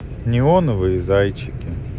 неоновые зайчики